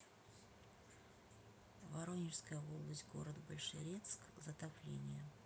воронежская область город большерецк затопление